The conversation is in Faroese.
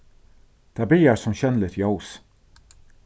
tað byrjar sum sjónligt ljós